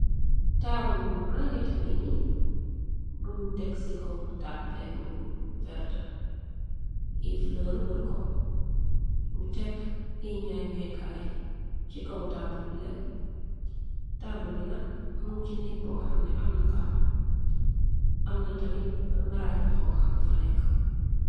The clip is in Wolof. Taabul bu maageta ngi ni buñu tekk ci kaw tàppe bu verta i flër wër ko ñu tekk injangeekaay ci kow taabul bile taabul bi nak mun ci nék boo xamne amna karo amna tamit maraaj bu xonxa bu fa nekk.